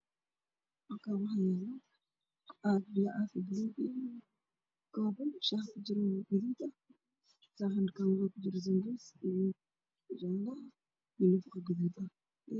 Waa nisa xasan waxaa ku jira buskud iyo sambuus d caf ayaa ag yaalo miiska